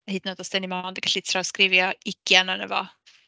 A hyd yn oed os dan ni mond yn gallu trawsgrifio ugain ohono fo.